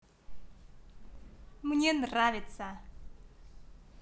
мне нравится